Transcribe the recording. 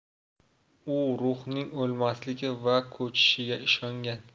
u ruhning o'lmasligi va ko'chishiga ishongan